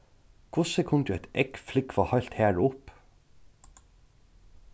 hvussu kundi eitt egg flúgva heilt har upp